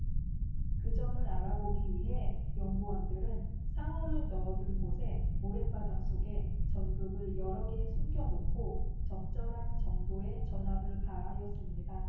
그 점을 알아보기 위해 연구원들은 상어를 넣어 둔 곳의 모랫바닥 속에 전극을 여러 개 숨겨 놓고 적절한 정도의 전압을 가하였습니다